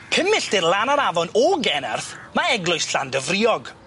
Pum milltir lan yr afon o Genarth ma' eglwys Llandyfriog.